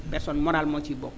personne morale moo ciy bokk